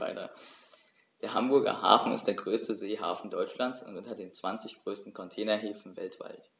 Der Hamburger Hafen ist der größte Seehafen Deutschlands und unter den zwanzig größten Containerhäfen weltweit.